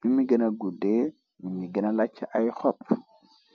mi mi gëna gudde mi mi gëna lacc ay xop